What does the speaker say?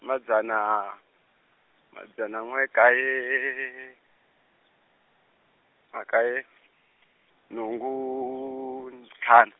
madzana, madzana n'we kaye, na kaye, nhungu, ntlhanu.